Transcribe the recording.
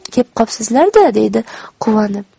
kep qopsizlar da deydi quvonib